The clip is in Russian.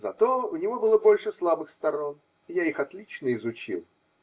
зато у него было больше слабых сторон, и я их отлично изучил.